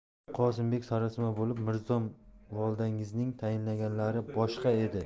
qosimbek sarosima bo'lib mirzom volidangizning tayinlaganlari boshqa edi